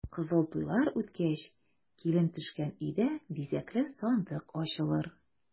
Кызыл туйлар үткәч, килен төшкән өйдә бизәкле сандык ачылыр.